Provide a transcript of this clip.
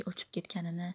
o'chib ketganini